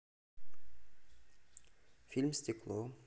фильм стекло